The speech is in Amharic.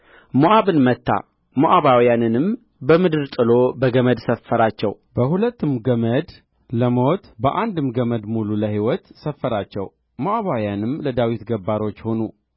ሞዓብን መታ ሞዓባውያንንም በምድር ጥሎ በገመድ ሰፈራቸው በሁለትም ገመድ ለሞት በአንድም ገመድ ሙሉ ለሕይወት ሰፈራቸው ሞዓባውያንም ለዳዊት ገባሮች ሆኑ